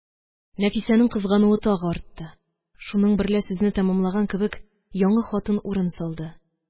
Нәфисәнең кызгануы тагы артты. Шуның берлә сүзне тәмамлаган кебек, яңы хатын урын салды.